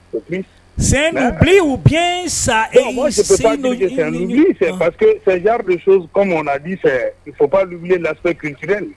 Sari mɔn fɛ lase gte